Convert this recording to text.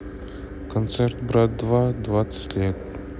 концерт брат два двадцать лет